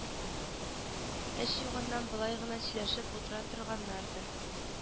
Эш югыннан болай гына сөйләшеп утыра торганнардыр